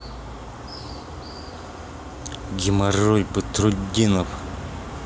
геморрой батрутдинов